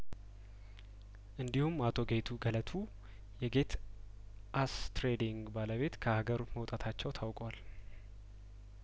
እንዲሁም አቶ ጌቱ ገለቱ የጌት አስትሬዲንግ ባለቤት ከሀገር መውጣታቸው ታውቋል